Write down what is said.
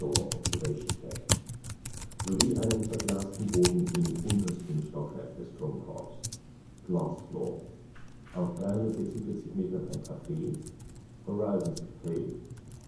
Observation Deck) sowie einen verglasten Boden im untersten Stockwerk des Turmkorbs (engl. Glass Floor), auf 346 Meter ein Café (Horizons Café)